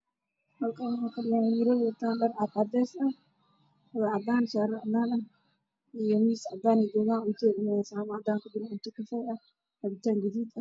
Waa maqaayad waxaa jooga niman